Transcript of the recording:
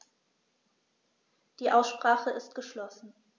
Die Aussprache ist geschlossen.